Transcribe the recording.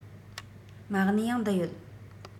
མ གནས ཡང འདི ཡོད